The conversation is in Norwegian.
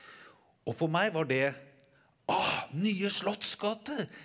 og for meg var det å Nye slottsgate.